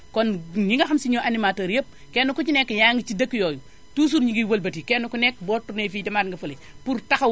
kon ñi nga xam sii ñooy animateurs yépp kenn ku ci nekk yaangi ci dëkk yooyu toujours ñu ngi wëlbati kenn ku nekk boo tourné fii demaat nga fële